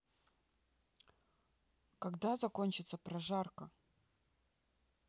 когда закончится прожарка